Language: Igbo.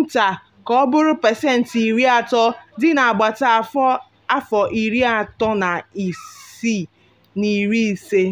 nta ka ọ bụrụ pasentị iri atọ dị n'agbata afọ iri atọ na isii na iri ise.